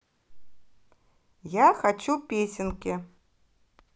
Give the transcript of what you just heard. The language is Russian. я хочу песенки